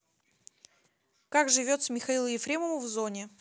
как живется михаилу ефремову в зоне